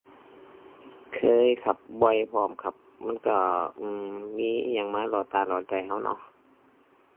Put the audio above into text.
เคยครับ บ่อยพร้อมครับ มันก็ อือ มีอิหยังมาล่อตาล่อใจก็เนาะ